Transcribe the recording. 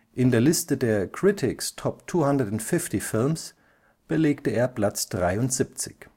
In der Liste der „ Critics’ Top 250 Films “belegte er Platz 73.